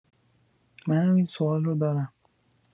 منم این سوال رو دارم